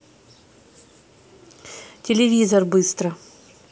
телевизор быстро